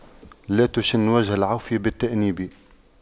لا تشن وجه العفو بالتأنيب